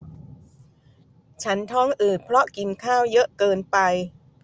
ฉันท้องอืดเพราะกินข้าวเยอะเกินไป